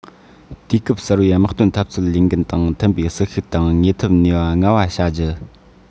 དུས སྐབས གསར པའི དམག དོན འཐབ རྩོད ལས འགན དང མཐུན པའི ཟིལ ཤུགས དང དངོས འཐབ ནུས པ མངའ བ བྱ རྒྱུ